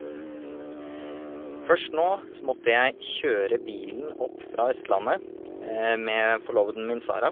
Først nå så måtte jeg kjøre bilen opp fra Østlandet med forloveden min, Sara.